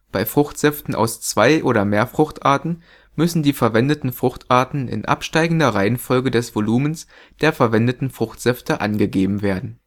Bei Fruchtsäften aus zwei oder mehr Fruchtarten müssen die verwendeten Fruchtarten in absteigender Reihenfolge des Volumens der verwendeten Fruchtsäfte angegeben werden